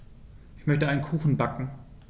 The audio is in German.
Ich möchte einen Kuchen backen.